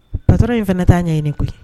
Kasɔrɔ in fana taa'a ɲɛɲini koyi